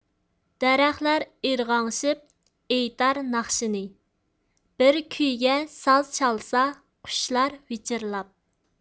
دەرەخلەر ئىرغاڭشىپ ئېيتار ناخشىنى بىر كۈيگە ساز چالسا قۇشلار ۋىچىرلاپ